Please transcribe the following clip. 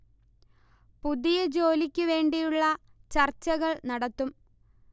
പുതിയ ജോലിക്ക് വേണ്ടിയുള്ള ചർച്കൾ നടത്തും